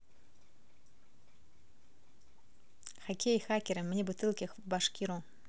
хоккей хакеры мне бутылки в башкиру